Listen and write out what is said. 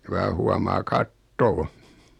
kun vain huomaa katsoa